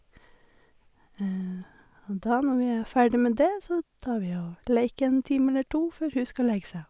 Og da, når vi er ferdig med det, så tar vi og leiker en time eller to før hun skal legge seg.